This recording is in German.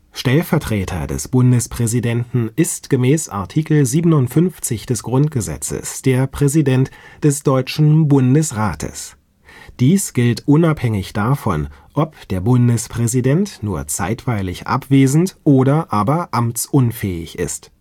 Stellvertreter des Bundespräsidenten ist gemäß Art. 57 GG der Präsident des deutschen Bundesrates. Dies gilt unabhängig davon, ob der Bundespräsident nur zeitweilig abwesend oder aber amtsunfähig ist